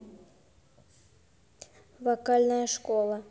вокальная школа